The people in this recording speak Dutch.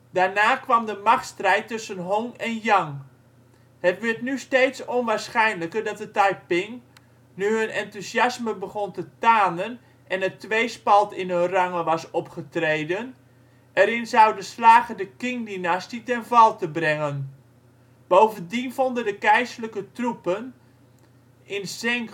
Daarna kwam de machtsstrijd tussen Hong en Yang. Het werd nu steeds onwaarschijnlijker dat de Taiping, nu hun enthousiasme begon te tanen en er tweespalt in hun rangen was opgetreden, erin zouden slagen de Qing-dynastie ten val te brengen. Bovendien vonden de keizerlijke troepen in Zeng